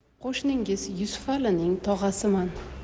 qo'shningiz yusufalining tog'asiman